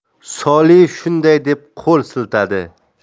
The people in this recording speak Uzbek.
soliev shunday deb qo'l siltadi